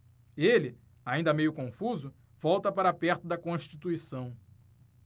ele ainda meio confuso volta para perto de constituição